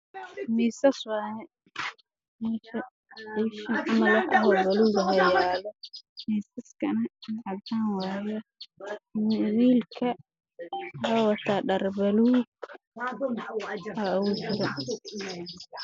Waa nin wato dhar buluug ah oo sameynaayo alwaax